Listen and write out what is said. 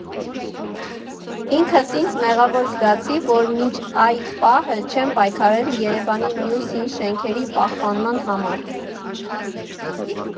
Ինքս ինձ մեղավոր զգացի, որ մինչ այդ պահը չեմ պայքարել Երևանի մյուս հին շենքերի պահպանման համար։